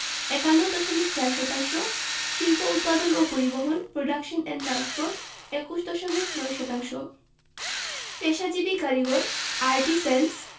৫১ দশমিক ৪ শতাংশ শিল্প উৎপাদন ও পরিবহণ প্রোডাকশন এন্ড ট্রান্সপোর্ট ২১ দশমিক ৯ শতাংশ পেশাজীবী কারিগরঃ আর্টিসেন্স